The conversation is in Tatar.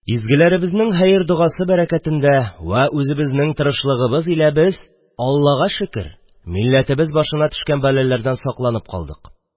Изгеләребезнең хәер-догасы бәрәкәтендә вә үзебезнең тырышлыгыбыз илә без, Аллага шөкер, милләтебез башына төшкән бәләләрдән сакланып калдык